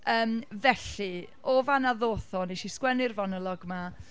Yym, felly, o fan'na ddoth o. Wnes i sgwennu'r fonolog 'ma...